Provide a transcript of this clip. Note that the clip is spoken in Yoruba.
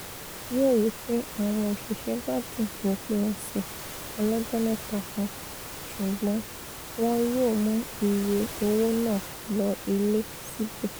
Yóò ríi pé àwọn òṣiṣẹ́ gbádùn òpin ọ̀sẹ̀ ọlọ́jọ́-mẹ́ta kan - ṣùgbọ́n wọ́n yóò mú iye owó náà lọ ilé síbẹ̀.